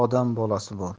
odam bolasi bo'l